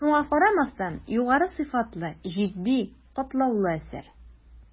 Шуңа карамастан, югары сыйфатлы, житди, катлаулы әсәр.